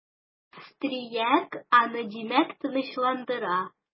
Австрияк аны димәк, тынычландыра.